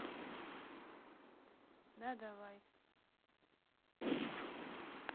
да давай